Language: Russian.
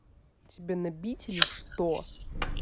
тебя набить или что